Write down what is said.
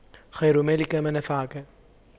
خير مالك ما نفعك